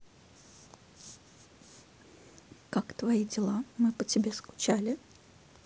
как твои дела мы по тебе скучали